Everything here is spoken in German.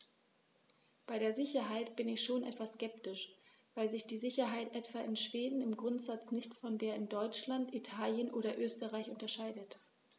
Bei der Sicherheit bin ich schon etwas skeptisch, weil sich die Sicherheit etwa in Schweden im Grundsatz nicht von der in Deutschland, Italien oder Österreich unterscheidet.